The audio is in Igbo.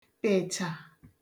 pị̀chà